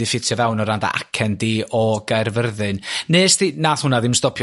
mynd i ffitio fewn o ran do acen di o Gaerfyrddin 'nes di.. nath hwnna ddim sdopio